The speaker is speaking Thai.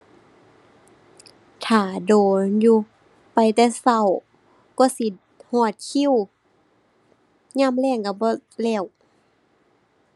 ท่าโดนอยู่ ไปแต่เช้า กว่าสิฮอดคิว ยามแลงเช้าบ่แล้ว